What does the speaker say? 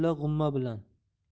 mulla g'umma bilan